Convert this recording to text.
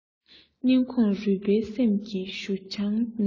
སྙིང ཁོངས རུས པའི སེམས ཀྱི གཞུ ཆུང ལས